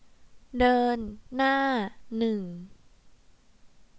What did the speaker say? เดินหน้าหนึ่ง